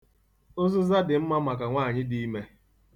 Ụzụza dị mma maka nwaanyị dị ime.